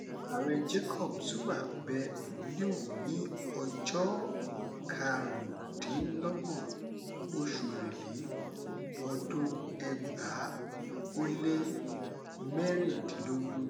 Ààrẹ Jacob Zuma bẹ Burundi wo ní 25, oṣù Èrèlé ọdún 2016.